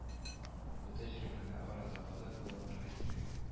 Бу тәҗрибәне арытаба да кулланырга кирәк